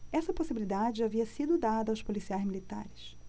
essa possibilidade já havia sido dada aos policiais militares